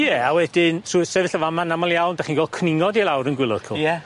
Ie a wedyn trw sefyllfa yn fa' ma yn aml iawn 'dach chi'n gweld cwningod i lawr yn gwilod 'cw. Ie.